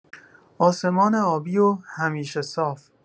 آسمان آبی و همیشه صاف